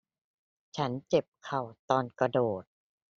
ฉันเจ็บเข่าตอนกระโดด